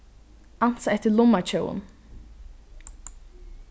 ansa eftir lummatjóvum